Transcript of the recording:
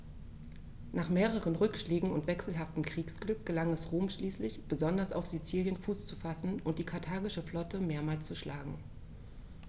Nach mehreren Rückschlägen und wechselhaftem Kriegsglück gelang es Rom schließlich, besonders auf Sizilien Fuß zu fassen und die karthagische Flotte mehrmals zu schlagen.